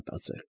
Մտածել։